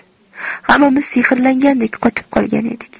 hammamiz sehrlangandek qotib qolgan edik